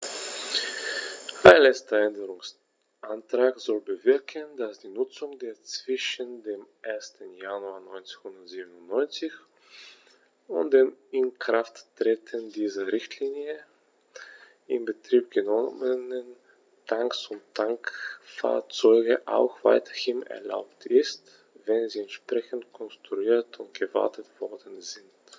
Ein letzter Änderungsantrag soll bewirken, dass die Nutzung der zwischen dem 1. Januar 1997 und dem Inkrafttreten dieser Richtlinie in Betrieb genommenen Tanks und Tankfahrzeuge auch weiterhin erlaubt ist, wenn sie entsprechend konstruiert und gewartet worden sind.